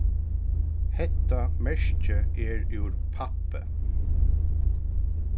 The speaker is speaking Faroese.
hetta merkið er úr pappi